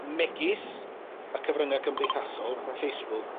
megis y cyfrynga cymdeithasol fatha Facebook